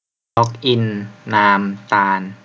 ล็อกอินนามตาล